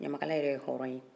ɲamakala yɛrɛ ye hɔrɔn ye